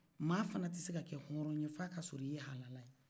maa fana tɛ se ka kɛ hɔrɔn ye f'a ka sɔrɔ i ye halala ye